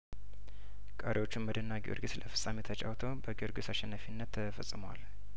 ቀሪዎቹ መድንና ጊዮርጊስ ለፍጻሜው ተጫውተው በጊዮርጊስ አሸናፊነት ተፈጽሟል